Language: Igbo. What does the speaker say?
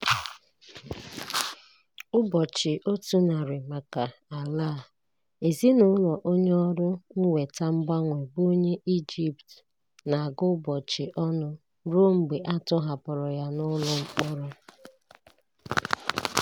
Ụbọchị 100 maka Alaa: Ezinụlọ onye ọrụ mweta mgbanwe bụ onye Egypt na-agụ ụbọchị ọnụ ruo mgbe a tọhapụrụ ya n'ụlọ mkpọrọ